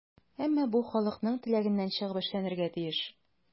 Әмма бу халыкның теләгеннән чыгып эшләнергә тиеш.